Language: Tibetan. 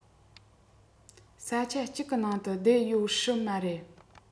ས ཆ ཅིག གི ནང དུ བསྡད ཡོད སྲིད མ རེད